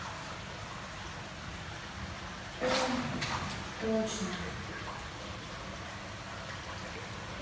о точно